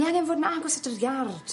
Ni angen fod yn agos at yr iard.